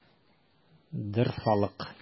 Дорфалык!